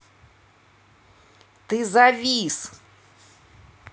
ты завис